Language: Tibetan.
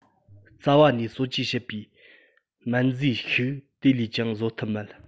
རྩ བ ནས གསོ བཅོས བྱེད པའི སྨན རྫས ཤིག དེ ལས ཀྱང བཟོ ཐུབ མེད